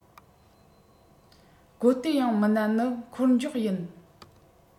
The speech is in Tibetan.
སྒོ གཏད ཡང མིན ན ནི འཁོར འཇོག ཡིན